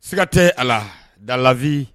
Siga tɛ a la da labi